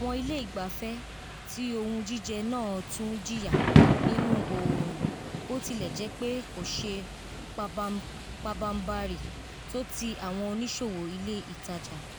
Àwọn ilé ìgbafẹ́ ti ohun-jíjẹ náà tún jìyà nínú òórùn, bótilèjẹ́pé kò ṣe pabanbarì tó ti àwọn oníṣòwò ilé itájà.